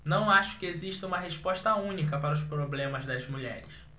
não acho que exista uma resposta única para os problemas das mulheres